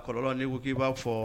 Kɔrɔlɔn ni ko i b'a fɔ